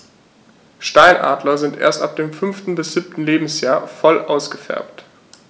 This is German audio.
Steinadler sind erst ab dem 5. bis 7. Lebensjahr voll ausgefärbt.